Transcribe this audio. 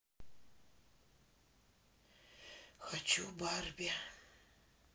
хочу барби